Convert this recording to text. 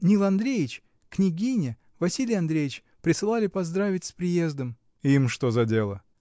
Нил Андреич, княгиня, Василий Андреич присылали поздравить с приездом. — Им что за дело?